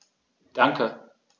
Danke.